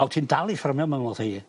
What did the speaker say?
On' ti'n dal i ffrymio ma' n'w ddeu.